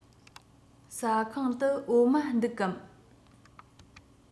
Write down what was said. ཟ ཁང དུ འོ མ འདུག གམ